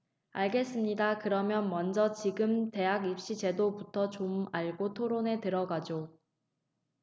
알겠습니다 그러면 먼저 지금 대학입시제도부터 좀 알고 토론에 들어가죠